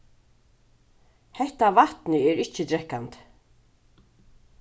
hetta vatnið er ikki drekkandi